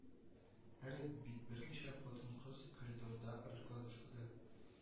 Әле бит берничә хатынкыз коридорда раскладушкада